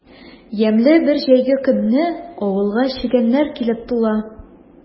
Ямьле бер җәйге көнне авылга чегәннәр килеп тула.